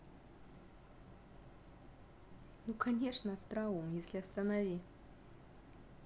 ну конечно остроум если останови